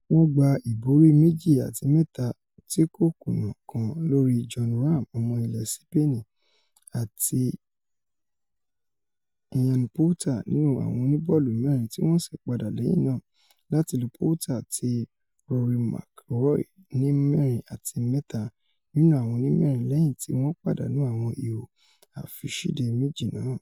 Wọ́n gba ìborí 2 àti 1 tíkòkúnná kan lóri Jon Rahm ọmọ ilẹ̀ Sipeeni àtinIan Poulter nínú àwọn oníbọ́ọ̀lù-mẹ́rin tíwọ́n sì padà lẹ́yìn nàà láti lu Poulter àti RoryMcllroy ní 4 àti 3 nínú àwọn onímẹ́rin lẹ́yìn tí wọ́n pàdánù àwọn ihò àfisíde méjì náà.